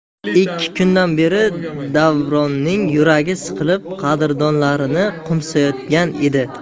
ikki kundan beri davronning yuragi siqilib qadrdonlarini qo'msayotgan edi